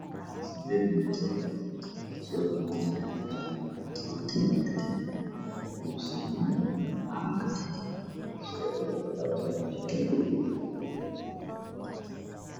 Waa naga ku fadhiyaan kuraas buluug ah calanka soomaaliya ayaa hayaan kuraas bilowga ay ku hoyaan dhul ku cadaan